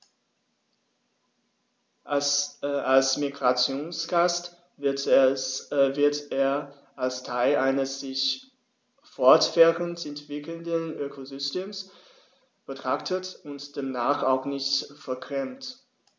Als Migrationsgast wird er als Teil eines sich fortwährend entwickelnden Ökosystems betrachtet und demnach auch nicht vergrämt.